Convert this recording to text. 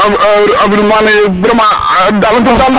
environnement ne vraiment